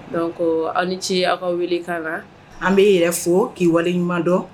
Don ko aw ni ce aw ka wele kan kan an bɛ yɛrɛ fo k'i waleɲumandɔn